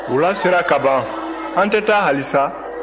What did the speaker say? wula sera ka ban an tɛ taa hali sa